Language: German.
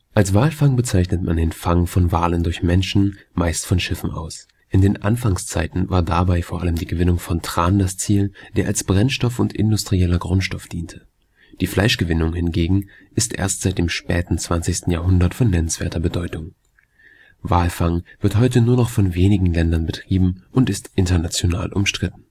Als Walfang bezeichnet man den Fang von Walen durch Menschen, meist von Schiffen aus. In den Anfangszeiten war dabei vor allem die Gewinnung von Tran das Ziel, der als Brennstoff und industrieller Grundstoff diente. Die Fleischgewinnung hingegen ist erst seit dem späten 20. Jahrhundert von nennenswerter Bedeutung. Walfang wird heute nur noch von wenigen Ländern betrieben und ist international umstritten